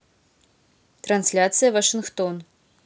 трансляция вашингтон